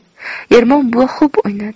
ermon buva xo'p o'ynadi